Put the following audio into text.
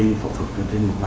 như